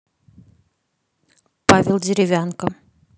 павел деревянко